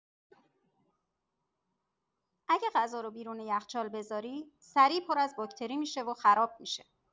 اگه غذا رو بیرون یخچال بذاری، سریع پر از باکتری می‌شه و خراب می‌شه.